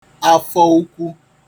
afọ ukwu